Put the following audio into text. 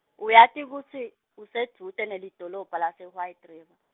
uyati kutsi, usedvute nelidolobha lase- White River.